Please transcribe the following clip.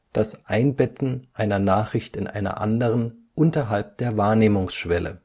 das Einbetten einer Nachricht in einer anderen unterhalb der Wahrnehmungsschwelle